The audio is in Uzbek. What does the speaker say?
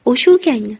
o'sha ukangni